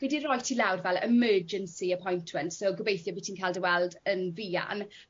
fi 'di roi ti lawr fel emergency appointment so gobeithio by' ti'n ca'l y weld yn fuan